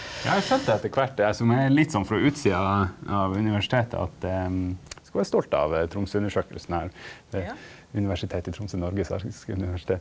ja eg har sett det etter kvart eg som er litt sånn frå utsida av universitetet at skal vera stolt av Tromøsundersøkelsen her ved universitet i Tromsø Noregs arktiske universitet.